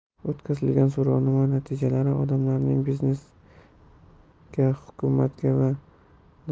o'tkazilgan so'rovnoma natijalari odamlarning biznesga hukumatga va